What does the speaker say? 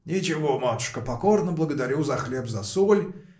– Ничего, матушка, покорно благодарю за хлеб за соль.